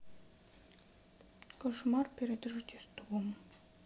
кошмар перед рождеством